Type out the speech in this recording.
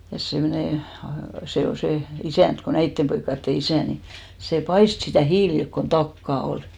ja semmoinen se oli se isäntä kun näiden poikien isä niin se paistoi sitä hiilillä kun takkaa ollut